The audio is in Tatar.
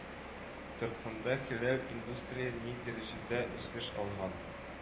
Татарстанда хәләл индустрия ни дәрәҗәдә үсеш алган